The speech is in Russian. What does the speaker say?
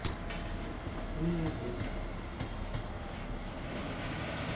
мия бойко